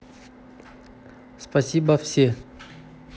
спасибо все